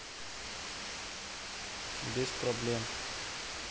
без проблем